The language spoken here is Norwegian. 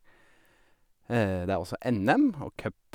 Det er også NM og cup.